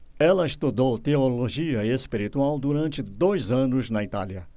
ela estudou teologia espiritual durante dois anos na itália